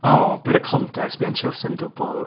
O bit of context behind Chilsen Dwbwl.